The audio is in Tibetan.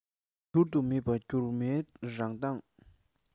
བསྒྱུར དུ མེད པ སྒྱུ མའི རང མདངས